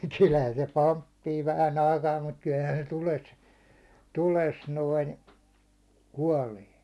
kyllähän se pomppii vähän aikaa mutta kyllähän se tulessa tulessa noin kuolee